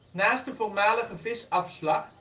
Naast de voormalige visafslag